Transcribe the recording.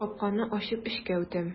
Капканы ачып эчкә үтәм.